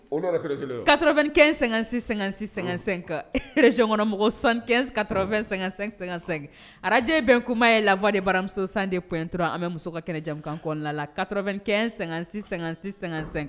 O ka2kɛ--sɛ-sɛ-sɛka e rezɔnmɔgɔ sanka2--sɛ araj bɛn kuma ye lafa de baramuso san de p dɔrɔn an bɛ muso ka kɛnɛjakan kɔnɔna la la kat2kɛ----sɛ